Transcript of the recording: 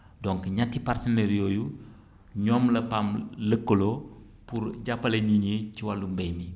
donc ñetti partenaire yooyu ñoom la PAM lëkkaloo pour jàppale nit ñi ci wàllum mbay mi